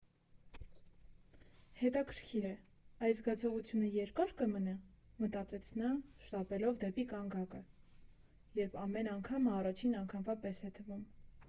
Հետաքրքիր է, այս զգացողությունը երկա՞ր կմնա, մտածեց նա, շտապելով դեպի կանգնակը, երբ ամեն անգամը առաջին անգամվա պես է թվում։